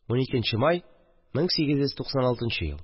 12 нче май, 1896 ел